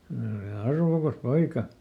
hän oli arvokas poika